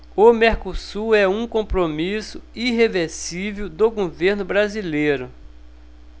o mercosul é um compromisso irreversível do governo brasileiro